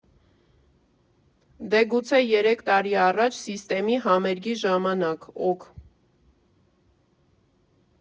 Դե, գուցե երեք տարի առաջ Սիսթեմի համերգի ժամանակ, օք։